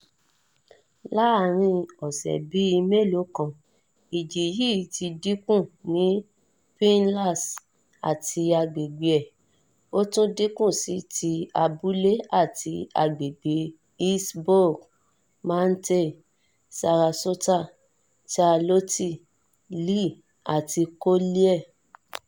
Láàrin ọ̀sẹ̀ bíi mélòó kan, Ìjì yí ti dínkù ní Pinellas àti agbègbè̀ ẹ̀. Ó tún dínkù sí ti abúlé àti agbègbè̀ Hillsborough, Mantee, Sarasota, Charlotte, Lee àti Collier.